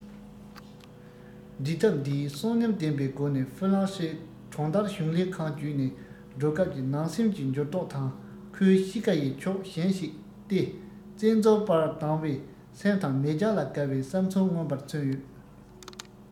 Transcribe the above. འབྲི ཐབས འདིས གསོན ཉམས ལྡན པའི སྒོ ནས ཧྥུ ལང ཧྲི གྲོང རྡལ གཞུང ལས ཁང བརྒྱུད ནས འགྲོ སྐབས ཀྱི ནང སེམས ཀྱི འགྱུར ལྡོག དང ཁོའི གཤིས ཀ ཡི ཕྱོགས གཞན ཞིག སྟེ བཙན འཛུལ པར སྡང བའི སེམས དང མེས རྒྱལ ལ དགའ བའི བསམ ཚུལ མངོན པར མཚོན ཡོད